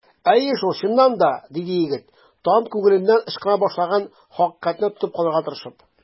Әйе шул, чыннан да! - диде егет, тагын күңеленнән ычкына башлаган хакыйкатьне тотып калырга тырышып.